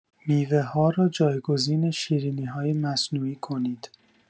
میوه‌ها را جایگزین شیرینی‌های مصنوعی کنید.